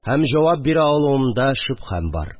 Һәм җавап бирә алуымда шөбһәм бар